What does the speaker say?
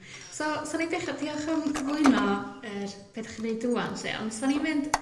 So san ni'n dechra... Diolch am cyflwyno yr be' 'dych ci'n neud rŵan 'lly ond san ni'n mynd